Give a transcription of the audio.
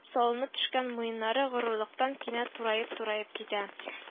Салынып төшкән муеннары горурлыктан кинәт тураеп-тураеп китә